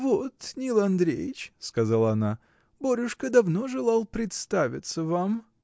— Вот, Нил Андреич, — сказала она, — Борюшка давно желал представиться вам.